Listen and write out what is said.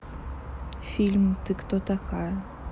фильм ты кто такая